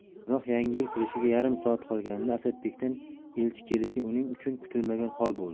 biroq yangi yil kirishiga yarim soat qolganida asadbekdan elchi kelishi uning uchun kutilmagan hol bo'ldi